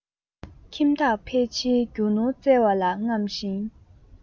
ཁྱིམ བདག ཕལ ཆེར རྒྱུ ནོར བཙལ བ ལ རྔམ ཞིང